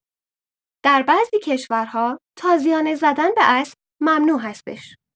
در بعضی کشورها تازیانه زدن به اسب ممنوع هستش!